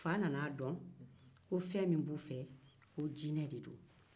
fa nan'a dɔn ko fɛn min b'u fɛ ye jine ye